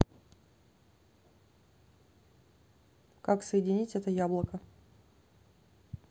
как соединить это яблоко